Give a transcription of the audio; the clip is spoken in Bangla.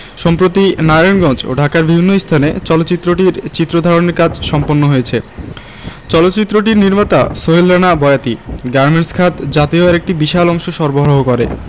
সম্প্রতি নারায়ণগঞ্জ ও ঢাকার বিভিন্ন স্থানে চলচ্চিত্রটির চিত্র ধারণের কাজ সম্পন্ন হয়েছে চলচ্চিত্রটির নির্মাতা সোহেল রানা বয়াতি গার্মেন্টস খাত জাতীয় আয়ের একটি বিশাল অংশ সরবারহ করে